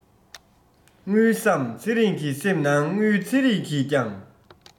དངུལ བསམ ཚེ རང གི སེམས ནང དངུལ ཚེ རིང གིས ཀྱང